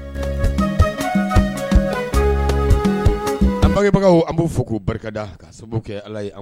An bangebagaw an b'o fo k'o barika ka kɛ ala ye